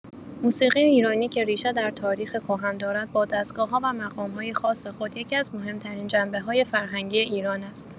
موسیقی ایرانی که ریشه در تاریخ کهن دارد، با دستگاه‌ها و مقام‌های خاص خود، یکی‌از مهم‌ترین جنبه‌های فرهنگی ایران است.